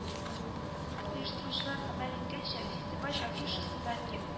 Оештыручылар хәбәр иткәнчә, фестиваль афишасында ге